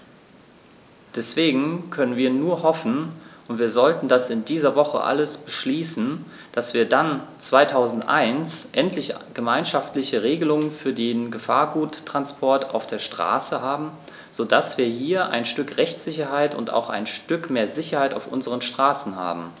Deswegen können wir nur hoffen - und wir sollten das in dieser Woche alles beschließen -, dass wir dann 2001 endlich gemeinschaftliche Regelungen für den Gefahrguttransport auf der Straße haben, so dass wir hier ein Stück Rechtssicherheit und auch ein Stück mehr Sicherheit auf unseren Straßen haben.